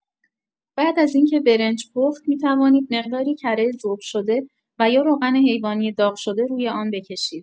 بعد از اینکه برنج پخت می‌توانید مقداری کره ذوب شده و یا روغن حیوانی داغ شده روی آن بکشید.